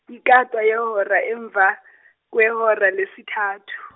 yikwata yehora emva kwehora lesithathu .